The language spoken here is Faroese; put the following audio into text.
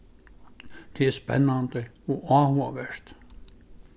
tað er spennandi og áhugavert